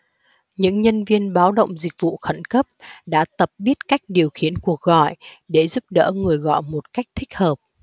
những nhân viên báo động dịch vụ khẩn cấp đã tập biết cách điều khiển cuộc gọi để giúp đỡ người gọi một cách thích hợp